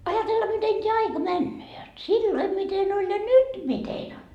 ajatella miten tämä aika menee jotta silloin miten oli ja nyt miten on